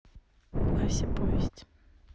ася повесть